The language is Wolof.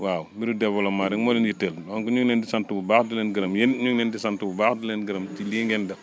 waaw mbiru développement rek moo leen yitteel donc ñu ngi leen di sant bu baax di leen gërëm yéen it ñu ngi leen di sant bu baax di leen gërëm ci lii ngeen def